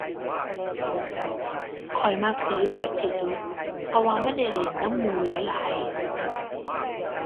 ข้อยมักตีแบดที่สุด เพราะว่ามันได้เล่นนำหมู่หลายหลาย